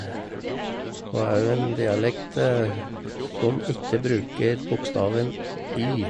Og òg en dialekt som ikke bruker bokstaven y.